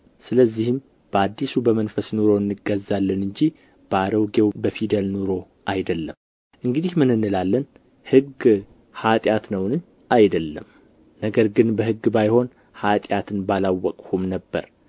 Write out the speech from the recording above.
ስለዚህም በአዲሱ በመንፈስ ኑሮ እንገዛለን እንጂ በአሮጌው በፊደል ኑሮ አይደለም እንግዲህ ምን እንላለን ሕግ ኃጢአት ነውን አይደለም ነገር ግን በሕግ ባይሆን ኃጢአትን ባላወቅሁም ነበር